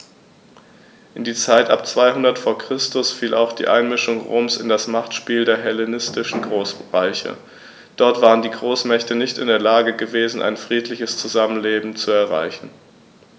In die Zeit ab 200 v. Chr. fiel auch die Einmischung Roms in das Machtspiel der hellenistischen Großreiche: Dort waren die Großmächte nicht in der Lage gewesen, ein friedliches Zusammenleben zu erreichen.